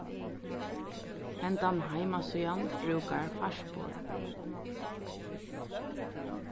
hendan heimasíðan brúkar farspor